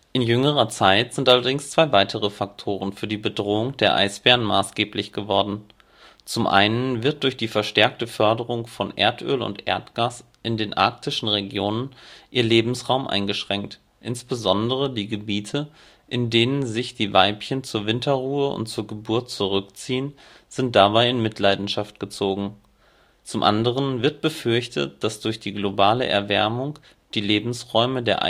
In jüngerer Zeit sind allerdings zwei weitere Faktoren für die Bedrohung der Eisbären maßgeblich geworden. Zum einen wird durch die verstärkte Förderung von Erdöl und Erdgas in den arktischen Regionen ihr Lebensraum eingeschränkt, insbesondere die Gebiete, in denen sich die Weibchen zur Winterruhe und zur Geburt zurückziehen, sind dabei in Mitleidenschaft gezogen. Zum anderen wird befürchtet, dass durch die globale Erwärmung die Lebensräume der